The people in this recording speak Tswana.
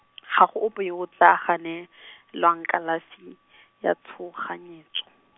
ga go ope yo o tla ganelwang kalafi , ya tshoganyetso.